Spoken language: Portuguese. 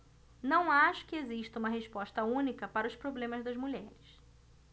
não acho que exista uma resposta única para os problemas das mulheres